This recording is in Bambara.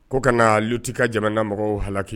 Ko ka naa Luuti ka jamana mɔgɔw halaki